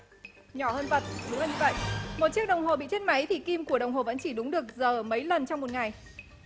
nhỏ hơn vật đúng là như vậy một chiếc đồng hồ bị chết máy thì kim của đồng hồ vẫn chỉ đúng được giờ mấy lần trong một ngày